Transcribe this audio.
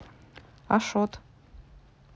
ашот